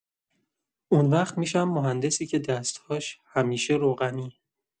اون‌وقت می‌شم مهندسی که دست‌هاش همیشه روغنیه.